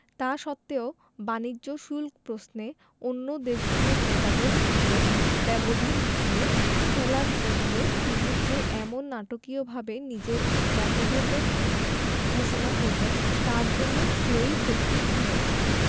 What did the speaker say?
তা সত্ত্বেও বাণিজ্য শুল্ক প্রশ্নে অন্য দেশগুলোর নেতাদের সঙ্গে ব্যবধান মিটিয়ে ফেলার বদলে তিনি যে এমন নাটকীয়ভাবে নিজের মতভেদ ঘোষণা করবেন তার জন্য কেউই প্রস্তুত ছিল না